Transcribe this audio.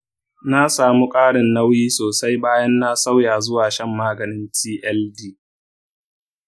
na samu ƙarin nauyi sosai bayan na sauya zuwa shan maganin tld.